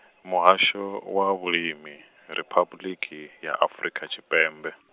Muhasho, wa Vhulimi, Riphabuḽiki, ya Afrika Tshipembe.